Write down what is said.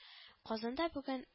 Казанда буген